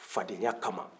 fadenya kaman